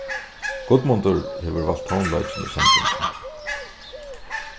gudmundur hevur valt tónleikin í sendingini